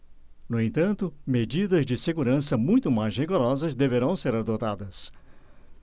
no entanto medidas de segurança muito mais rigorosas deverão ser adotadas